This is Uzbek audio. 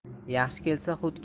yaxshi kelsa hut